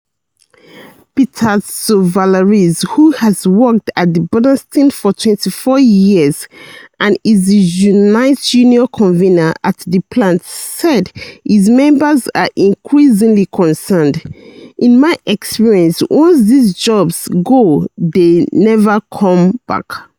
Peter Tsouvallaris, who has worked at Burnaston for 24 years and is the Unite union convener at the plant, said his members are increasingly concerned: "In my experience once these jobs go they never come back.